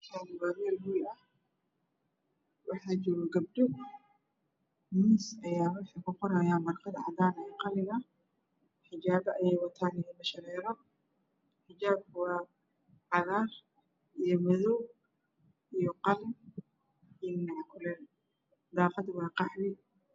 Meeshaan waa meel hool ah waxaa joogo gabdho miis ayay ku qorahayaan warqad cadaan ah iyo qalin ah. Xijaabo ayay wataan iyo indho shareero. Xijaabku waa cagaar iyo madow iyo qalin iyo nacnac kuleel daaqadu waa qalin.